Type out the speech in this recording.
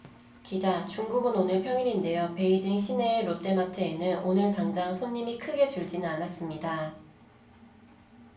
기자 중국은 오늘 평일인데요 베이징 시내의 롯데마트에는 오늘 당장 손님이 크게 줄지는 않았습니다